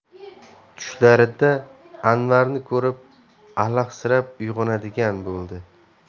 tushlarida anvarni ko'rib alahsirab uyg'onadigan bo'ldi